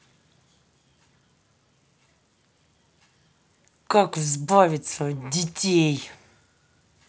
как избавиться от детей